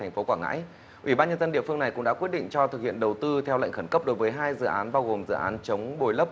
thành phố quảng ngãi ủy ban nhân dân địa phương này cũng đã quyết định cho thực hiện đầu tư theo lệnh khẩn cấp đối với hai dự án bao gồm dự án chống bồi lấp